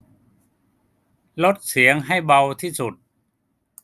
ลดเสียงให้เบาที่สุด